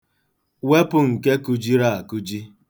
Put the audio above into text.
Wepụ nke kụjiri akụji.